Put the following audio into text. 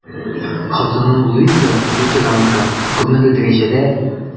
Хатыным Луиза, лютеранка, күпмедер дәрәҗәдә...